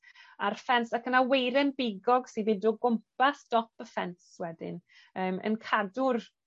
A'r ffens... Ac yna weiren bigog sydd fynd o gwmpas dop y ffens wedyn yym yn cadw'r